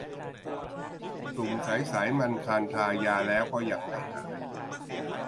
ตุ่มใสใสมันคันทายาแล้วก็ยังไม่หาย